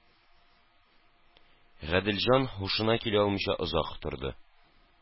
Гаделҗан һушына килә алмыйча озак торды